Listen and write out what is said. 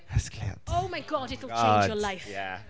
Cysgliad... Oh my God, it will change your life.... Oh my God, ie!